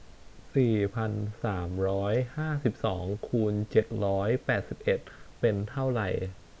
สี่พันสามร้อยห้าสิบสองคูณเจ็ดร้อยแปดสิบเอ็ดเป็นเท่าไร